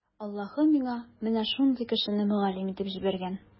Аллаһы миңа менә шундый кешене мөгаллим итеп җибәргән.